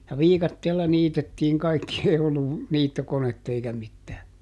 ja viikatteella niitettiin kaikki ei ollut niittokonetta eikä mitään